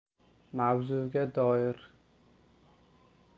mavzuga doir